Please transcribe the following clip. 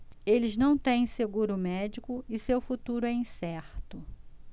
eles não têm seguro médico e seu futuro é incerto